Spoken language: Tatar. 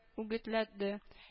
Үгетләде